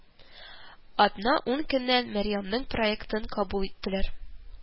Атна-ун көннән Мәрьямнең проектын кабул иттеләр